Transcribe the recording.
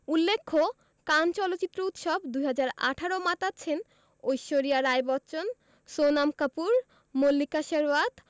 উল্লেখ্য কান চলচ্চিত্র উৎসব ২০১৮ মাতাচ্ছেন ঐশ্বরিয়া রাই বচ্চন সোনম কাপুর মল্লিকা শেরওয়াত